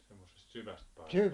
semmoisesta syvästä paikasta